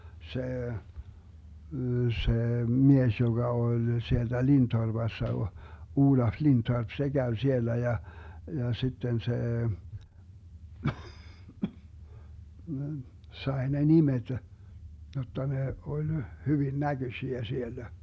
se se mies joka oli sieltä Lindtorpassa - Olaf Lindtorp se kävi siellä ja ja sitten se sai ne nimet jotta ne oli hyvin näköisiä siellä